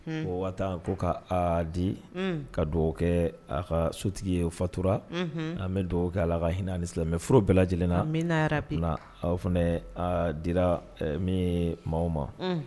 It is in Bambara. Ko ko k ka ha di ka dɔgɔ kɛ a ka sotigi ye fatura an bɛ dɔgɔ kɛ a ka hinɛani silamɛ mɛ furu bɛɛ lajɛlenna min' yɛrɛ bi a fana dira min maaw ma